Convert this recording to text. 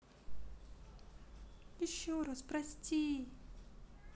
еще раз прости